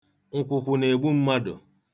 Nkwụkwụ na-egbu mmadụ